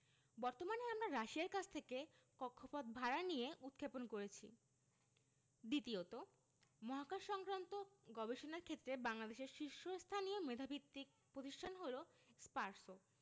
বর্তমানে আমরা রাশিয়ার কাছ থেকে কক্ষপথ ভাড়া নিয়ে উৎক্ষেপণ করেছি দ্বিতীয়ত মহাকাশসংক্রান্ত গবেষণার ক্ষেত্রে বাংলাদেশের শীর্ষস্থানীয় মেধাভিত্তিক প্রতিষ্ঠান হলো স্পারসো